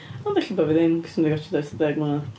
Ond ella bod fi ddim achos dwi ddim 'di watsiad o ers tua deg mlynadd.